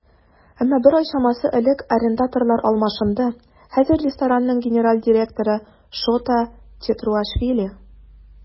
Әмма бер ай чамасы элек арендаторлар алмашынды, хәзер ресторанның генераль директоры Шота Тетруашвили.